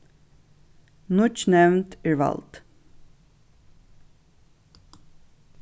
nýggj nevnd er vald